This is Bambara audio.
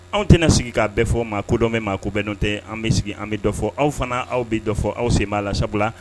Anw tɛna sigi k'a bɛɛ fɔ maa kodɔnbɛn maa kobɛnnen tɛ an bɛ sigi an bɛ dɔ fɔ aw fana aw bɛ fɔ aw sen' la sabula